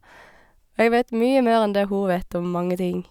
Og jeg vet mye mer enn det hun vet, om mange ting.